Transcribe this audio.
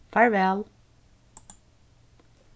farvæl